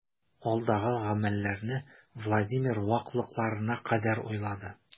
Алдагы гамәлләрне Владимир ваклыкларына кадәр уйлады.